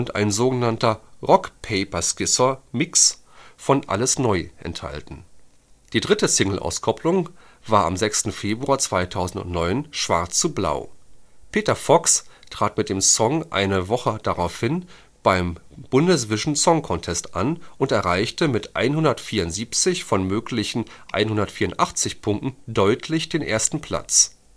ein sogenannter Rock Paper Scissor.mx von Alles neu enthalten. Die dritte Singleauskopplung war am 6. Februar 2009 Schwarz zu blau. Peter Fox trat mit dem Song eine Woche darauf beim Bundesvision Song Contest an und erreichte mit 174 von möglichen 184 Punkten deutlich den ersten Platz